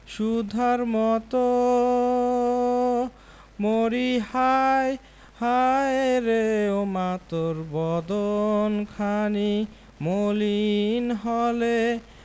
সুধার মতো মরিহায় হায়রে ও মা তোর বদন খানি মলিন হলে